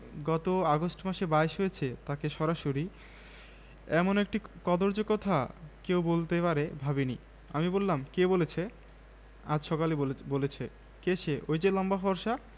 কাল রাতে তার জ্বর এসেছিল বেশ বাড়াবাড়ি রকমের জ্বর বাবা মাঝ রাত্তিরে আমার দরজায় ঘা দিয়েছিলেন আমার ঘুমের ঘোর না কাটতেই শুনলাম তোর কাছে এ্যাসপিরিন আছে খোকা স্বপ্ন দেখছি